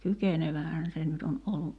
kykenevähän se nyt on ollut